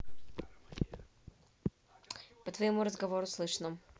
по твоему разговору слышно